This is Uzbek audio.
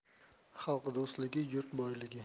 xalq do'stligi yurt boyligi